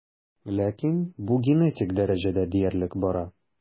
Ләкин бу генетик дәрәҗәдә диярлек бара.